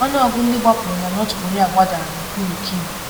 Ọnụọgụ ndị gbapụrụ na North Korea ‘gbadara’ n’okpuru Kim